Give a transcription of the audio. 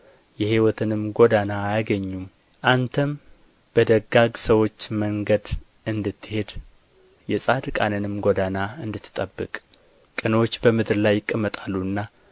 የሕይወትንም ጎዳና አያገኙም አንተም በደጋግ ሰዎች መንገድ እንድትሄድ የጻድቃንንም ጎዳና እንድትጠብቅ ቅኖች በምድር ላይ ይቀመጣሉና